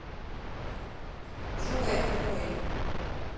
джой открой